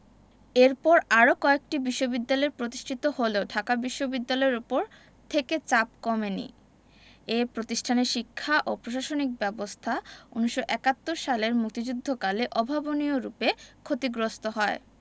এরপর আরও কয়েকটি বিশ্ববিদ্যালয় প্রতিষ্ঠিত হলেও ঢাকা বিশ্ববিদ্যালয়ের ওপর থেকে চাপ কমেনি এ প্রতিষ্ঠানের শিক্ষা ও প্রশাসনিক ব্যবস্থা ১৯৭১ সালের মুক্তিযুদ্ধকালে অভাবনীয়রূপে ক্ষতিগ্রস্ত হয়